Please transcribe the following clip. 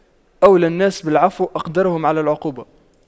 أولى الناس بالعفو أقدرهم على العقوبة